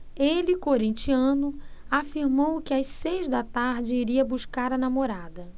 ele corintiano afirmou que às seis da tarde iria buscar a namorada